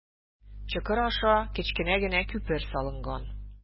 Чокыр аша кечкенә генә күпер салынган.